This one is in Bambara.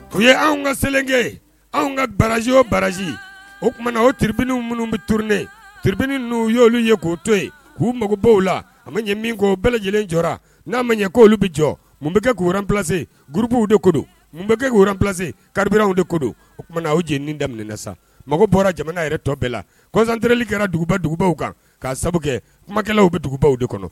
U ye anw ka selen kɛ anw ka barazo barazji o tumaumana o tipini minnu bɛ turennen tipini n'u yolu ye k'o to yen k'u magobaw la a ma ɲɛ min koo bɛɛ lajɛlen jɔ n'a ma ɲɛ ko' oluolu bɛ jɔ mun bɛkɛ k' w ranse gurpbuw de ko don munkɛ w se kariw de ko don o tumaumana' jeni daminɛmin sa mago bɔra jamana yɛrɛ tɔ bɛɛ la kɔsanterli kɛra duguba dugubaw kan k kaa sababu kumakɛlaw bɛ dugubaw de kɔnɔ